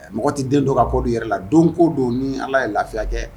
Ɛ Mɔgɔ ti den don ka kɔ don i yɛrɛ la don ko don ni ala ye lafiya kɛ